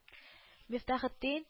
– мифтахетдиин